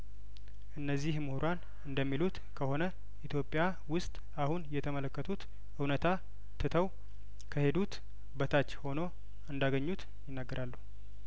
እነዚ ህምሁራን እንደሚሉት ከሆነ ኢትዮጵያ ውስጥ አሁን የተመለከቱት እውነታ ትተው ከሄዱት በታች ሆኖ እንዳገኙት ይናገራሉ